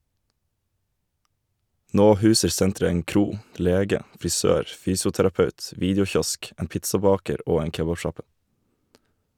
Nå huser senteret en kro , lege , frisør, fysioterapeut, videokiosk, en pizzabaker og en kebabsjappe.